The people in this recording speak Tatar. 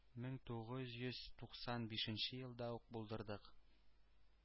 Мең тугыз йөз туксан бишенче елда ук булдырдык.